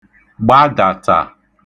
gbadàtà